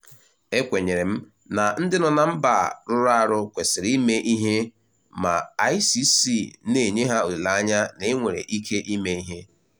E kwenyere m na ndị nọ na mba rụrụ arụ kwesịrị ime ihe ma ICC na-enye ha olileanya na e nwere ike ime ihe.